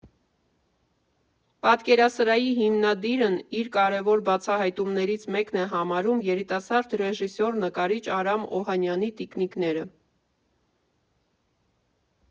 Պատկերասրահի հիմնադիրն իր կարևոր բացահայտումներից մեկն է համարում երիտասարդ ռեժիսոր, նկարիչ Արամ Օհանյանի տիկնիկները։